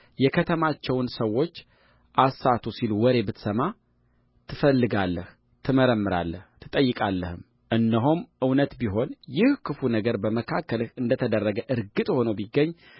የከተማቸውን ሰዎች አሳቱ ሲሉ ወሬ ብትሰማ ትፈልጋለህ ትመረምራለህም ትጠይቃለህም እነሆም እውነት ቢሆን ይህም ክፉ ነገር በመካከልህ እንደ ተደረገ እርግጥ ሆኖ ቢገኝ